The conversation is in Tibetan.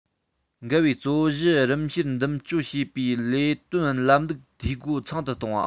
འགལ བའི རྩོད གཞི རིམ བཤེར འདུམ གཅོད བྱེད པའི ལས དོན ལམ ལུགས འཐུས སྒོ ཚང དུ གཏོང བ